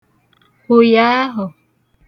ụ̀yàahụ̀